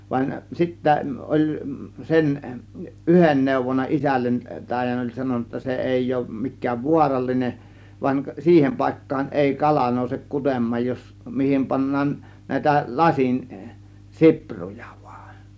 vaan sitten oli sen yhden neuvonut isälle taian oli sanonut jotta se ei ole mikään vaarallinen vaan siihen paikkaan ei kala nouse kutemaan jos mihin pannaan näitä lasin sipruja vain